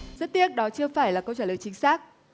rất tiếc đó chưa phải là câu trả lời chính xác